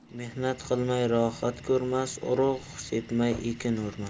mehnat qilmay rohat ko'rmas urug' sepmay ekin o'rmas